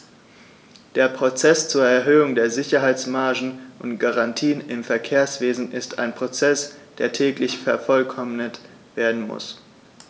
Der Prozess zur Erhöhung der Sicherheitsmargen und -garantien im Verkehrswesen ist ein Prozess, der täglich vervollkommnet werden muss.